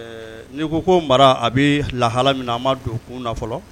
N' ko ko mara a bɛ lahala min a ma don kun na fɔlɔ